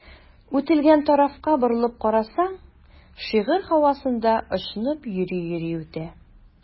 Үтелгән тарафка борылып карасаң, шигырь һавасында очынып йөри-йөри үтә.